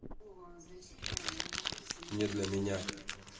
не для меня